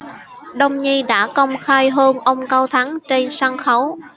đông nhi đã công khai hôn ông cao thắng trên sân khấu